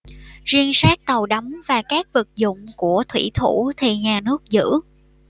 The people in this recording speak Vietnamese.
riêng xác tàu đắm và các vật dụng của thủy thủ thì nhà nước giữ